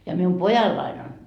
ja minun pojallani on